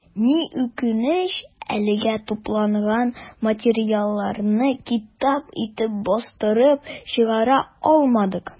Ни үкенеч, әлегә тупланган материалларны китап итеп бастырып чыгара алмадык.